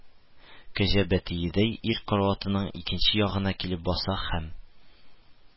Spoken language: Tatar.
Кәҗә бәтиедәй, ир караватының икенче ягына килеп баса һәм: